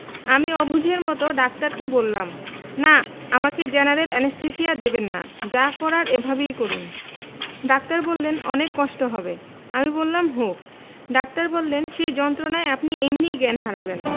আমি অবুঝের মতো ডাক্তারকে বললাম না আমাকে জেনারেল অ্যানেসথেসিয়া দেবেন না যা করার এভাবেই করুন ডাক্তার বললেন অনেক কষ্ট হবে আমি বললাম হোক ডাক্তার বললেন সেই যন্ত্রণায় আপনি এমনি জ্ঞান হারাবেন